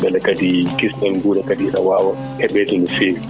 mbele kadi kisnal guura kadi ina waawa heɓeede no feewi